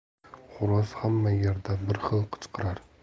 xo'roz hamma yerda bir xil qichqirar